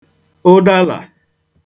ụdalà